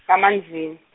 kaManzini.